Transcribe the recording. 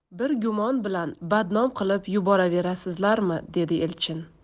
bir gumon bilan badnom qilib yuboraverasizlarmi dedi elchin